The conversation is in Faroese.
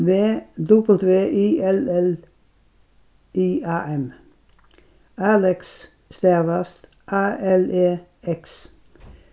v w i l l i a m alex stavast a l e x